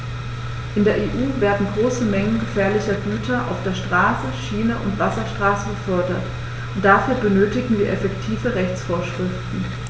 In der EU werden große Mengen gefährlicher Güter auf der Straße, Schiene und Wasserstraße befördert, und dafür benötigen wir effektive Rechtsvorschriften.